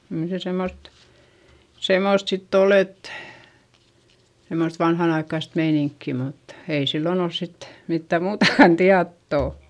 kyllä se semmoista semmoista sitten oli että semmoista vanhan aikaista meininkiä mutta ei silloin ollut sitten mitään muutakaan tietoa